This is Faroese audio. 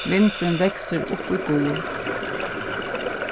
vindurin veksur upp í gul